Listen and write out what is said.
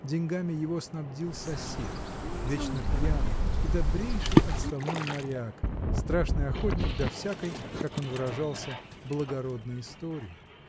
Деньгами его снабдил сосед, вечно пьяный и добрейший отставной моряк, страшный охотник до всякой, как он выражался, благородной истории.